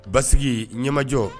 Basi ɲɛmajɔ